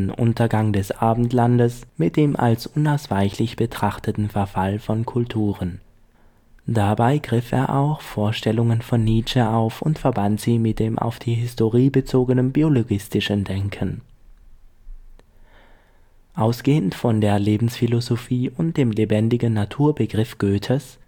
Untergang des Abendlandes mit dem als unausweichlich betrachteten Verfall von Kulturen. Dabei griff er auch Vorstellungen von Nietzsche auf und verband sie mit auf die Historie bezogenem biologistischen Denken. Ausgehend von der Lebensphilosophie und dem lebendigen „ Natur “- Begriff Goethes